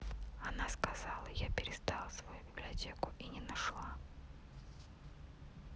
она сказала я перестала свою библиотеку и не нашла